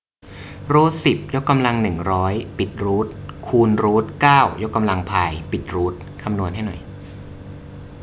รูทสิบยกกำลังหนึ่งร้อยปิดรูทคูณรูทเก้ายกกำลังพายปิดรูทคำนวณให้หน่อย